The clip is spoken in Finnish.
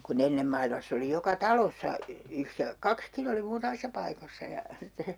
kun ennen maailmassa oli joka talossa - kaksikin oli muutamissa paikoissa ja sitten